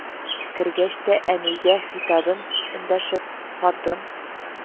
Кергәч тә, әнигә хитабән [эндәшеп]: "Хатын